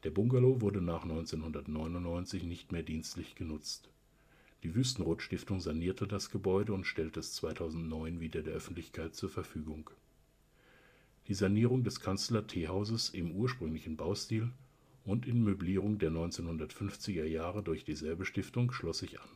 Bungalow wurde nach 1999 nicht mehr dienstlich genutzt. Die Wüstenrot Stiftung sanierte das Gebäude und stellte es 2009 wieder der Öffentlichkeit zur Verfügung. Die Sanierung des Kanzler-Teehauses im ursprünglichen Baustil und in Möblierung der 1950er Jahre durch dieselbe Stiftung schloss sich